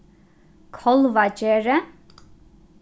kálvagerði